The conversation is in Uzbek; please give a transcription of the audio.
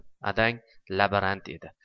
adang labarant edi